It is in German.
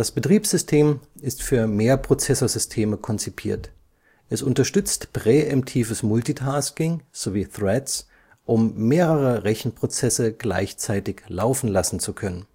Betriebssystem ist für Mehrprozessorsysteme konzipiert; es unterstützt präemptives Multitasking sowie Threads, um mehrere Rechenprozesse gleichzeitig laufen lassen zu können